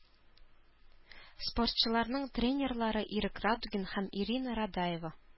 Спортчыларның тренерлары - Ирек Радугин һәм Ирина Радаева.